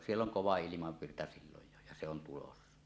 siellä on kova ilmavirta silloin jo ja se on tulossa